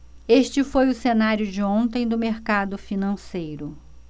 este foi o cenário de ontem do mercado financeiro